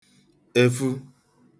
ẹfu